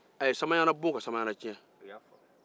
a ye samaɲana bon ka samaɲana tiɲɛ